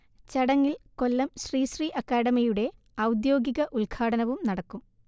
ചടങ്ങിൽ കൊല്ലം ശ്രീ ശ്രീ അക്കാഡമിയുടെ ഔദ്യോഗിക ഉൽഘാടനവും നടക്കും